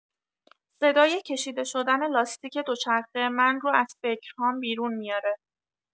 صدای کشیده‌شدن لاستیک دوچرخه من رو از فکرهام بیرون میاره.